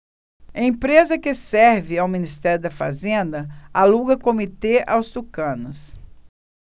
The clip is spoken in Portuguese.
empresa que serve ao ministério da fazenda aluga comitê aos tucanos